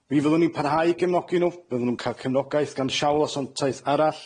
Mi fyddwn ni'n parhau i gefnogi nw. Byddan nw'n ca'l cefnogaeth gan shawl asiantaeth arall.